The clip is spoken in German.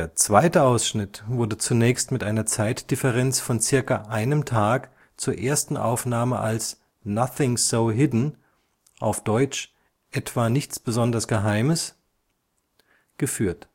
zweite Ausschnitt wurde zunächst mit einer Zeitdifferenz von circa einem Tag zur ersten Aufnahme als “Nothing so hidden” (dt. etwa nichts besonders Geheimes) geführt